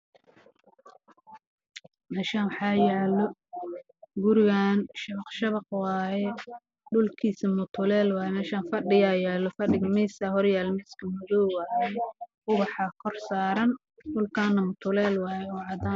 Waa guri shabaq-shabaq ah